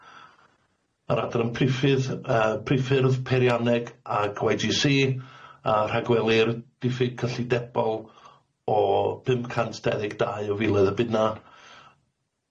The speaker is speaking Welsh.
Ma'r adran priffydd yy priffyrdd peirianneg ag Wye Gee See a rhagwely'r diffyg cyllidebol o bum cant dauddeg dau o filoedd y bunna,